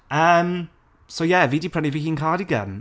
Yym, so ie, fi 'di prynu fy hun cardigan.